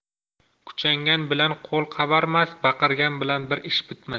kuchangan bilan qo'l qavarmas baqirgan bilan bir ish bitmas